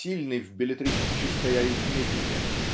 сильный в беллетристической арифметике